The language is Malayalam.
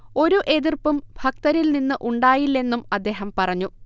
ഒരു എതിർപ്പും ഭക്തരിൽനിന്ന് ഉണ്ടായില്ലെന്നും അദ്ദേഹം പറഞ്ഞു